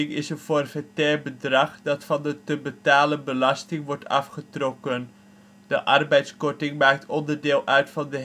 is een forfaitair bedrag dat van de te betalen belasting wordt afgetrokken. De arbeidskorting maakt onderdeel uit van de